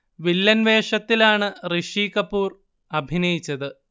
villain വേഷത്തിലാണ് ഋഷി കപൂർ അഭിനയിച്ചത്